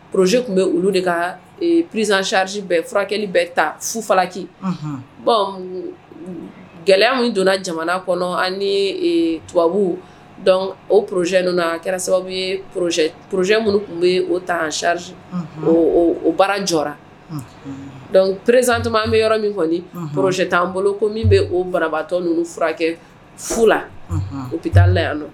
Proze tun bɛ olu de ka prezaarisi furakɛli bɛ ta futafalaki bon gɛlɛya min donna jamana kɔnɔ ani tubabubu o poroze ninnu kɛra sababu p poroze minnu tun bɛ o taaari bara jɔ dɔnkuc prezan tun an bɛ yɔrɔ min kɔni pze t'an bolo ko min bɛ o banabaatɔ ninnu furakɛ futa la u bɛ taa la yan don